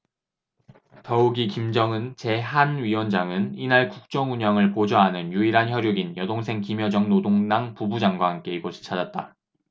더욱이 김정은 제 한 위원장은 이날 국정운영을 보좌하는 유일한 혈육인 여동생 김여정 노동당 부부장과 함께 이곳을 찾았다